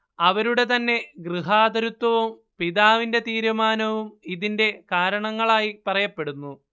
അവരുടെ തന്നെ ഗൃഹാതുരത്വവും പിതാവിന്റെ തീരുമാനവും ഇതിന്റെ കാരണങ്ങളായി പറയപ്പെടുന്നു